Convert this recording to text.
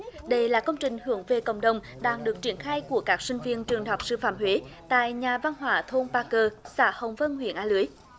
đây là công trình hướng về cộng đồng đang được triển khai của các sinh viên trường đại học sư phạm huế tại nhà văn hóa thôn pa cờ xã hồng vân huyện a lưới